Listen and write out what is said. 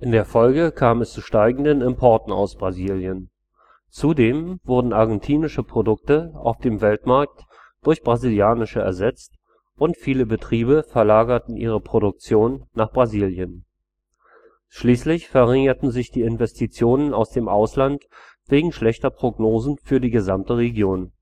der Folge kam es zu steigenden Importen aus Brasilien. Zudem wurden argentinische Produkte auf dem Weltmarkt durch brasilianische ersetzt und viele Betriebe verlagerten ihre Produktion nach Brasilien. Schließlich verringerten sich die Investitionen aus dem Ausland wegen schlechter Prognosen für die gesamte Region